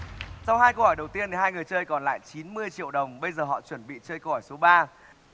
sau hai câu hỏi đầu tiên hai người chơi còn lại chín mươi triệu đồng bây giờ họ chuẩn bị chơi câu hỏi số ba